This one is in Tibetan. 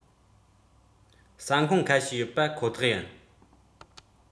ཟ ཁང ཁ ཤས ཡོད པ ཁོ ཐག ཡིན